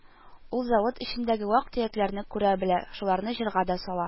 Ул завод эчендәге вак-төякләрне күрә белә, шуларны җырга да сала